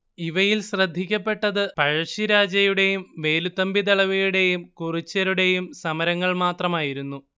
ഇവയിൽ ശ്രദ്ധിക്കപ്പെട്ടത് പഴശ്ശിരാജയുടേയും വേലുത്തമ്പിദളവയുടേയും കുറിച്യരുടേയും സമരങ്ങൾ മാത്രമായിരുന്നു